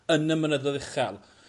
yn y mynyddo'dd uchel.